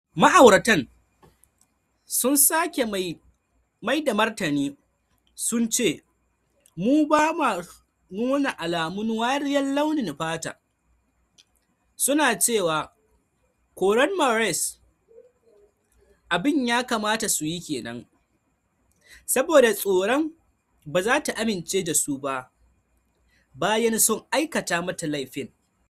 Ma'auratan sun sake mai da martani sunce mu ba ma nuna alamun wariyar launin fata, su na cewa koran Maurice abin da ya kamata su yi kenan, saboda tsoron ba za ta amince da su ba bayan sun aikata mata laifin.